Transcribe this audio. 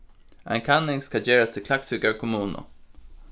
ein kanning skal gerast í klaksvíkar kommunu